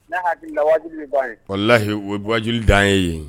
Hakili playi o yewaj dan ye ye